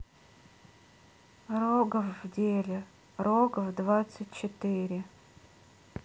рогов в деле рогов двадцать четыре